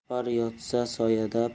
rahbar yotsa soyada